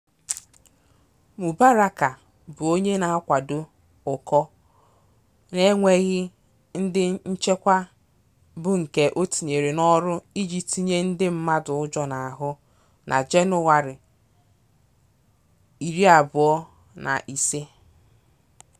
Mubaraka bụ onye na-akwado ụkọ na enweghi ndị nchekwa bụ nke o tinyere n'ọrụ iji tinye ndị mmadụ ụjọ n'ahụ. #Jan25.